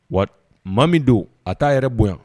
Wa d maa min don a t'a yɛrɛ bonya